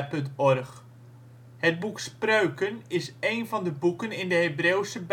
Het boek Spreuken is een van de boeken in de Hebreeuwse